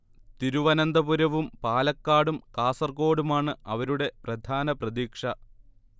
തിരുവനന്തപുരവും പാലക്കാടും കാസർകോടുമാണ് അവരുടെ പ്രധാന പ്രതീക്ഷ